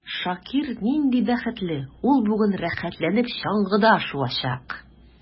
Шакир нинди бәхетле: ул бүген рәхәтләнеп чаңгыда шуачак.